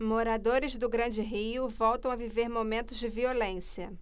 moradores do grande rio voltam a viver momentos de violência